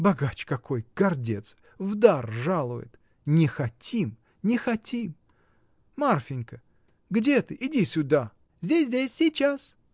Богач какой, гордец, в дар жалует! Не хотим, не хотим! Марфинька! Где ты? Иди сюда! — Здесь, здесь, сейчас!